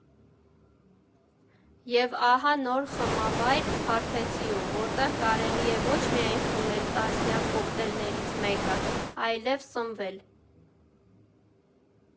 Եվ ահա, նոր խմավայր Փարպեցիում, որտեղ կարելի է ոչ միայն խմել տասնյակ կոկտեյլներից մեկը, այլև սնվել։